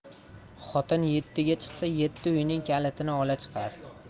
xotin yettiga chiqsa yetti uyning kalitini ola chiqar